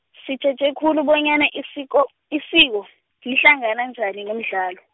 sitjheje khulu bonyana isiko, isiko, lihlangana njani nomdlalo.